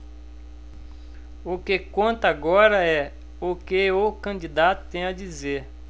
o que conta agora é o que o candidato tem a dizer